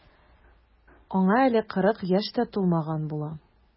Аңа әле кырык яшь тә тулмаган була.